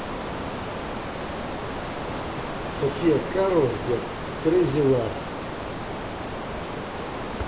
sofia karlberg crazy love